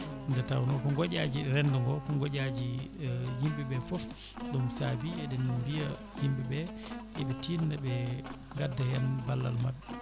nde tawno ko gooƴaji rendo ngo ko gooƴaji yimɓeɓe foof ɗum saabi eɗen mbiya yimɓeɓe yooɓe tinno ɓe gadda hen ballal mabɓe